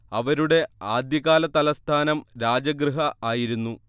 അവരുടെ ആദ്യകാലതലസ്ഥാനം രാജഗൃഹ ആയിരുന്നു